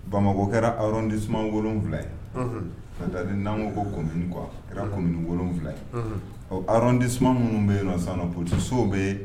Bamakɔ kɛra arrondissement 7 ye. Unhun! C'est à dire n'an ko ko commune quoi a kɛra commune 7 ye. Ɔnhɔn! Arrondissements minnu bɛ yen nɔ sisan police sow bɛ